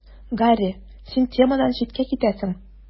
Гарри: Син темадан читкә китәсең.